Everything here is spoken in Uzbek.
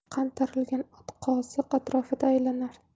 qantarilgan ot qoziq atrofida aylanar